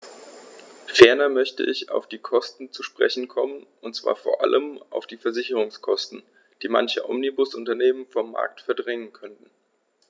Ferner möchte ich auf die Kosten zu sprechen kommen, und zwar vor allem auf die Versicherungskosten, die manche Omnibusunternehmen vom Markt verdrängen könnten.